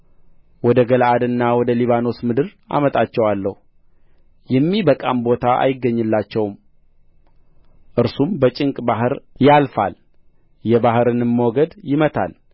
ወደ ገለዓድና ወደ ሊባኖስ ምድር አመጣቸዋለሁ የሚበቃም ቦታ አይገኝላቸውም እርሱም በጭንቅ ባሕር ያልፋል የባሕርንም ሞገድ ይመታል